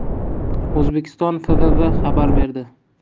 o'zbekiston fvv xabar bedi